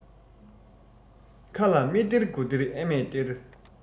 ཁ ལ མི སྟེར དགུ སྟེར ཨ མས སྟེར